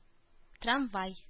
Трамвай